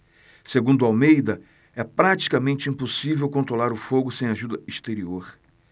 segundo almeida é praticamente impossível controlar o fogo sem ajuda exterior